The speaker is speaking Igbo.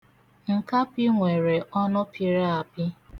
Nkapị nwere ọnụ pịrị apị.